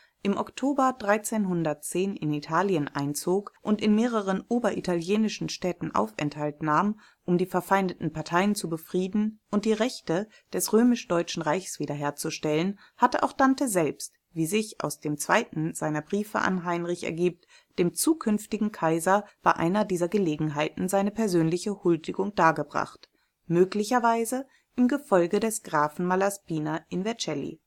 im Oktober 1310 in Italien einzog und in mehreren oberitalienischen Städten Aufenthalt nahm, um die verfeindeten Parteien zu befrieden und die Rechte des römisch-deutschen Reiches wiederherzustellen, hatte auch Dante selbst, wie sich aus dem zweiten seiner Briefe an Heinrich (Epist. VII) ergibt, dem zukünftigen Kaiser bei einer dieser Gelegenheiten seine persönliche Huldigung dargebracht, möglicherweise im Gefolge des Grafen Malaspina in